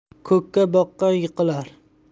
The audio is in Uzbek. ko'kka boqqan yiqilar